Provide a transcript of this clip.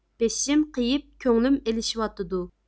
بېشىم قېيىپ كۆڭلۈم ئېلىشىۋاتدۇ